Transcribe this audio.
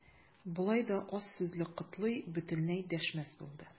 Болай да аз сүзле Котлый бөтенләй дәшмәс булды.